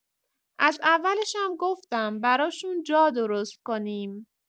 از اولشم گفتم براشون جا درست کنیم.